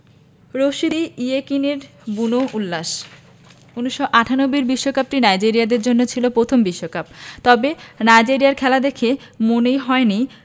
Rashidi ইয়েকিনীর বুনো উল্লাস ১৯৯৮ এর বিশ্বকাপটি নাইজেরিয়ানদের জন্য ছিল প্রথম বিশ্বকাপ তবে নাইজেরিয়ার খেলা দেখে মনেই হয়নি